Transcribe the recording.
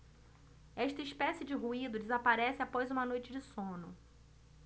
esta espécie de ruído desaparece após uma noite de sono